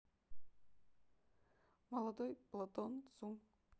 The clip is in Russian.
молодой платон цум